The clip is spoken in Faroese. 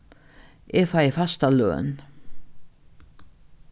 eg fái fasta løn